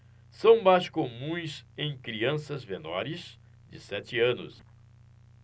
são mais comuns em crianças menores de sete anos